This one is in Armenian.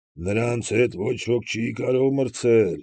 Նրանց հետ ոչ ոք չի կարող մրցել։